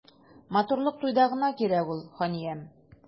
Матурлык туйда гына кирәк ул, ханиям.